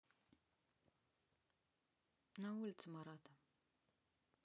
на улице марата